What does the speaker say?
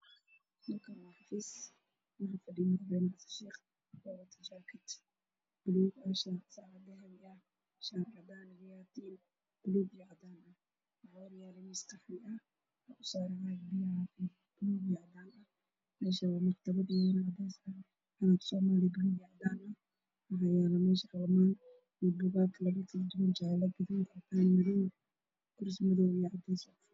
Meeshaan waxaa fadhiya madaxweynaha waxa uuna wataa suud baluug ah